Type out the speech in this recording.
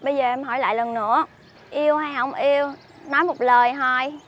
bây giờ em hỏi lại lần nữa yêu hay hổng yêu nói một lời hoi